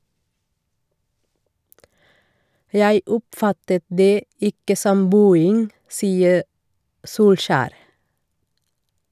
- Jeg oppfattet det ikke som buing, sier Solskjær.